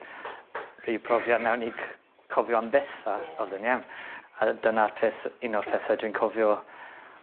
rhyw profiad nawn ni c- cofio am byth a... Ie. ...odd e'n iawn. A dyna'r peth un o'r pethe dwi'n cofio